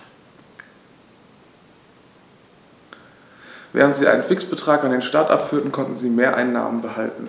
Während sie einen Fixbetrag an den Staat abführten, konnten sie Mehreinnahmen behalten.